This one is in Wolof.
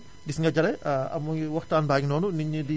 gis nga Jalle muy waxtaan baa ngi noonu nit ñi di